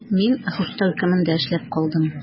Мин рус төркемендә эшләп калдым.